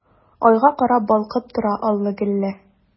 Айга карап балкып тора аллы-гөлле!